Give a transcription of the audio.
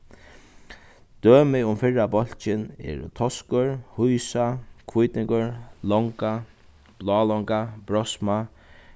dømi um fyrra bólkin eru toskur hýsa hvítingur longa blálonga brosma